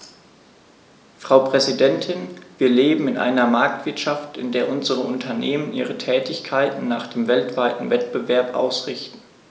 Frau Präsidentin, wir leben in einer Marktwirtschaft, in der unsere Unternehmen ihre Tätigkeiten nach dem weltweiten Wettbewerb ausrichten.